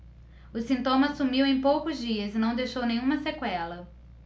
o sintoma sumiu em poucos dias e não deixou nenhuma sequela